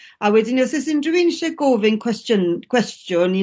a wedyn 'ny os o's unryw un isie gofyn cwestiyn- cwestiawn i...